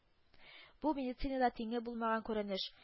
Бу медицинада тиңе булмаган күренеш